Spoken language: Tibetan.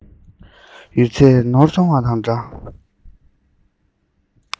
ཡོད ཚད ནོར སོང བ དང འདྲ